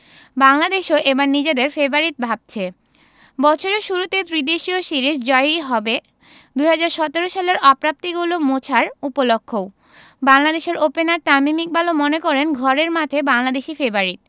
বাংলাদেশও এবার নিজেদের ফেবারিট ভাবছে বছরের শুরুতে ত্রিদেশীয় সিরিজ জয়ই হবে ২০১৭ সালের অপ্রাপ্তিগুলো মোছার উপলক্ষও বাংলাদেশের ওপেনার তামিম ইকবালও মনে করেন ঘরের মাঠে বাংলাদেশই ফেবারিট